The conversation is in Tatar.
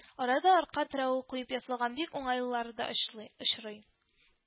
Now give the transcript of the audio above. Арада арка терәве куеп ясалган бик уңайлылары да очлый очрый